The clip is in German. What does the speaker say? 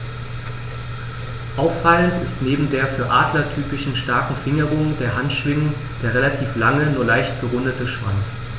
Auffallend ist neben der für Adler typischen starken Fingerung der Handschwingen der relativ lange, nur leicht gerundete Schwanz.